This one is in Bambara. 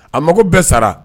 A mago bɛɛ sara